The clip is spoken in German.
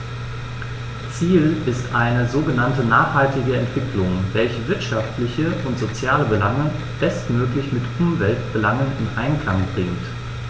Ziel ist eine sogenannte nachhaltige Entwicklung, welche wirtschaftliche und soziale Belange bestmöglich mit Umweltbelangen in Einklang bringt.